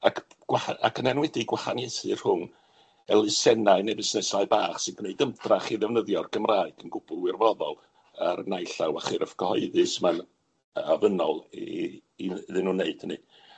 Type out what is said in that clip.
Ac gwah- ac yn enwedig gwahaniaethu rhwng elusennau neu busnesau bach sy'n gwneud ymdrach i ddefnyddio'r Gymraeg yn gwbwl wirfoddol, ar y naill llaw a chyrff cyhoeddus ma'n a- ofynnol i- i- iddyn nw neud hynny.